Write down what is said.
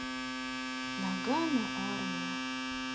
нагано армия